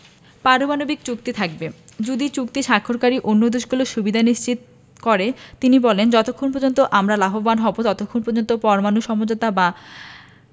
পারমাণবিক চুক্তিতে থাকবে যদি চুক্তি স্বাক্ষরকারী অন্য দেশগুলো সুবিধা নিশ্চিত করে তিনি বলেন যতক্ষণ পর্যন্ত আমরা লাভবান হব ততক্ষণ পর্যন্ত পরমাণু সমঝোতা বা